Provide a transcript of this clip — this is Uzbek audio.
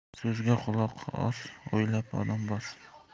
so'zga quloq os o'ylab qadam bos